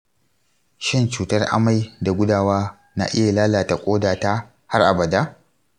shin cutar amai da gudawa na iya lalata ƙodata har abada?